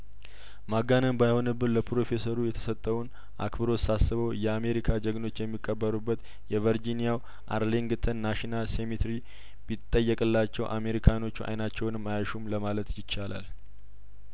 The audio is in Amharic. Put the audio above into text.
ማጋነን ባይሆንብን ለፕሮፌሰሩ የተሰጠውን አክብሮት ሳስበው የአሜሪካ ጀግኖች የሚቀበሩበት የቨርጂኒያው አር ሊንግተንናሽናል ሴሜ ተሪ ቢጠየቅላቸው አሜሪካኖቹ አይናቸውንም አያሹም ለማለት ይቻላል